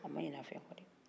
a ma ɲinɛ fɛn kɔ dɛ